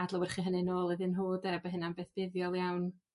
adlewyrchu hynny nôl iddyn nhw 'de, bo' hynna'n beth buddiol iawn